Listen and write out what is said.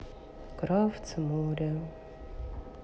кравц море